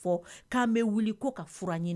Fɔ k'an bɛ wuli ko ka fura ɲini